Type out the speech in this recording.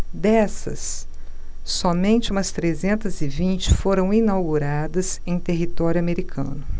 dessas somente umas trezentas e vinte foram inauguradas em território americano